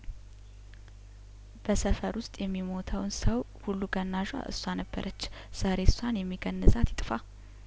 በሰፈሩ ውስጥ የሚሞተውን ሰው ሁሉ ገናዧ እሷ ነበረች ዛሬ እሷን የሚገንዛት ይጥፋ